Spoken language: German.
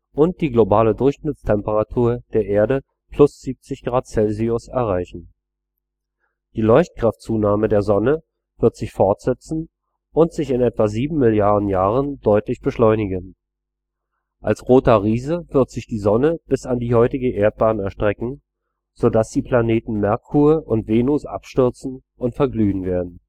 und die globale Durchschnittstemperatur der Erde +70 °C erreichen. Die Leuchtkraftzunahme der Sonne wird sich fortsetzen und sich in etwa sieben Milliarden Jahren deutlich beschleunigen. Als roter Riese wird sich die Sonne bis an die heutige Erdbahn erstrecken, sodass die Planeten Merkur und Venus abstürzen und verglühen werden